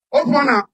O mɔn